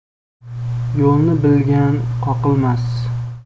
yo'lni bilgan qoqilmas